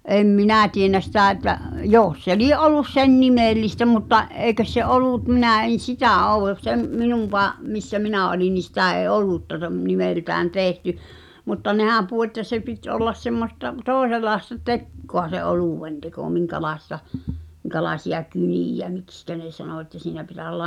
en minä tiedä sitä että jos se lie ollut sen nimellistä mutta eikös se ollut minä en sitä ole sen -- missä minä oli niin sitä ei olutta nimeltään tehty mutta nehän puhui että se piti olla semmoista toisenlaista tekoa se oluenteko minkälaista minkälaisia kyniä miksi ne sanoi että siinä pitäisi olla